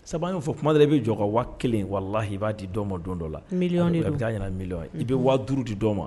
Sabu y'o fɔ kuma de i bɛ jɔ ka waa kelen in walalahi i b'a di dɔn ma dɔn dɔ la miliyan bɛ taa ɲɛna mili i bɛ waadu di dɔn ma